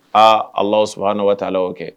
Aa alaaw sɔrɔo taa la kɛ